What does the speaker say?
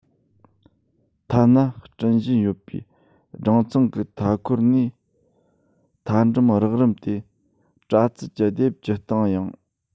ཐ ན སྐྲུན བཞིན ཡོད པའི སྦྲང ཚང གི མཐའ བསྐོར ནས མཐའ འགྲམ རགས རིམ ཏེ པྲ ཚིལ གྱི ལྡེབས ཀྱི སྟེང ཡང